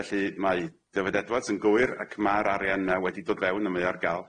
Felly mae Dyfed Edwards yn gywir ac ma'r arian yna wedi dod fewn y mae o ar ga'l.